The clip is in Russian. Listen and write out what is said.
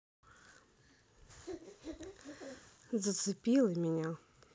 зацепила меня